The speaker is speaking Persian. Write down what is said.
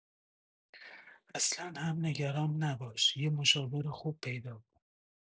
اصلا هم نگران نباش یه مشاور خوب پیدا کن